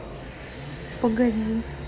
погоди